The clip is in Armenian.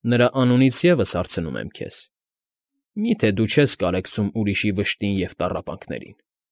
Նրա անունից ես հարցնում եմ քեզ. մի՞թե դու չես կարեկցում ուրիշի վշտին և տառապանքներին։